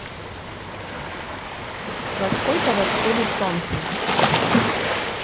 во сколько восходит солнце